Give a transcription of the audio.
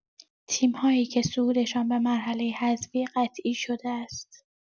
تیم‌هایی که صعودشان به مرحله حذفی قطعی شده است.